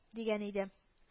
– дигән иде